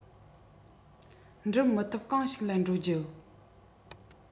འགྲུབ མི ཐུབ གང ཞིག ལ འགྲོ རྒྱུ